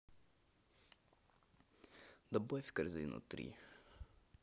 добавь в корзину три